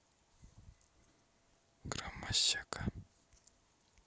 громосека